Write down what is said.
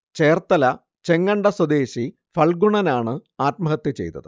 ചേർത്തല ചെങ്ങണ്ട സ്വദേശി ഫൽഗുണനാണ് ആത്മഹത്യ ചെയ്തത്